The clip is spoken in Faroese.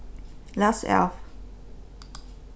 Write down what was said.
læs av